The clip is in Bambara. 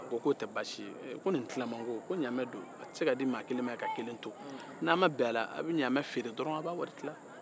a ko k'o tɛ basi ye eee ko nin tilan man go ko ɲamɛ do a tɛ se ka di maa kelen ma ka kelen to n'a ma bɛn a la a bɛ ɲamɛ feere dɔrɔn a b'a wari tilan